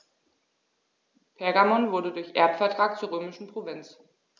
Pergamon wurde durch Erbvertrag zur römischen Provinz.